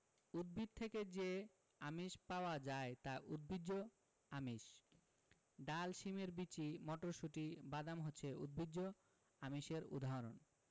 উদ্ভিদ থেকে যে আমিষ পাওয়া যায় তা উদ্ভিজ্জ আমিষ ডাল শিমের বিচি মটরশুঁটি বাদাম হচ্ছে উদ্ভিজ্জ আমিষের উদাহরণ